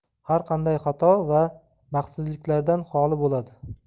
har qanday xato va baxtsizliklardan xoli bo'ladi